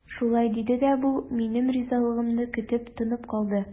Шулай диде дә бу, минем ризалыгымны көтеп, тынып калды.